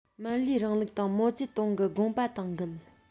མར ལེའི རིང ལུགས དང མའོ ཙེ ཏུང གི དགོངས པ དང འགལ